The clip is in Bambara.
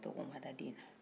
tɔgɔ ma da den na